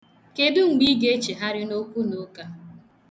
Kedu mgbe ị ga-echegharị na okwunụka?